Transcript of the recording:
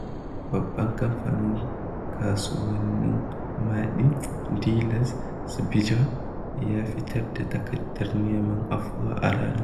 Babban kamfani kasuwannin Maɗi, Delez Srbija, ya fitar da takardar neman afuwa a ranar.